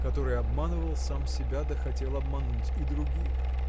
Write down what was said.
который обманывал сам себя да хотел обмануть и других.